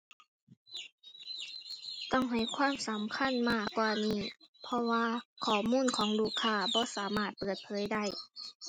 ต้องให้ความสำคัญมากกว่านี้ เพราะว่า ข้อมูลของลูกค้าบ่สามารถเปิดเผยได้